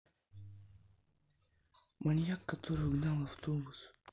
маньяк который угнал автобус